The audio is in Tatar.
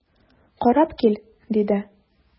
Карап кил,– диде.